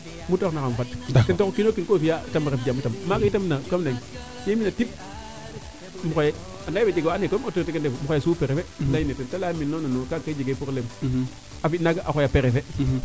mu te refna xam fadma ten taxu o kiino kiin ko fiya te ref jam tamit maaga te ref na comme nene ye i mbina pip im xooya a jega waa ando naye comme autorité ke ndefu um xooya sous prefet im leyno ten te layaame non non kaaga kay kege probleme a fi naaga a xooya prefet